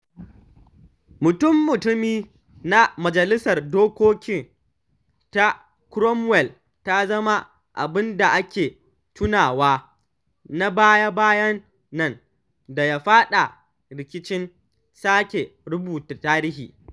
Mutum-mutumi na Majalisar Dokoki ta Cromwell ta zama abin da ake tunawa na baya-bayan nan da ya faɗa ‘rikicin sake rubuta tarihi’